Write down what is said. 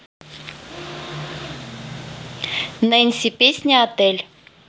нэнси песня отель